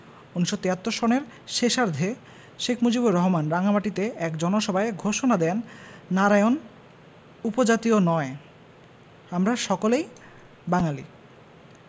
১৯৭৩ সনের শেষার্ধে শেখ মুজিবুর রহমান রাঙামাটিতে এক জনসভায় ঘোষণা দেন নারায়ণ উপজাতীয় নয় আমরা সকলেই বাঙালি